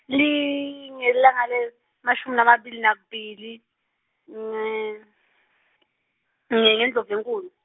ngelilanga lemashumi lamabili nakubili , iNdlovulenkhulu.